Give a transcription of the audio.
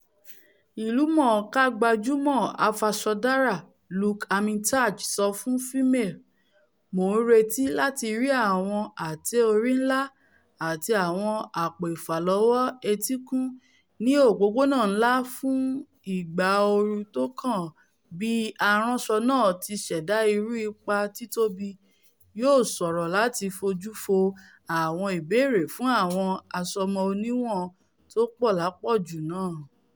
Ìlúmọ̀ọ́ká gbajúmọ̀ afasọdárà Luke Armitage sọ fún FEMAIL: ''Mo ńretí láti rí àwọn ate-ori ńlá àti awọn àpò ìfàlọ́wọ́ etíkun ní òpópónà ńlá fún ìgba ooru tókàn - bí aránsọ náà ti ṣèdá irú ipa títóbi yóò ṣòro láti fóju fo àwọn ìbéèrè fún àwọn àṣomọ́ oníwọ̀n-tópọ̀lápọ̀jù náà.